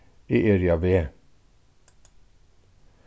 eg eri á veg